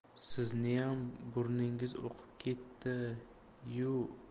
sizniyam burningiz oqib ketdi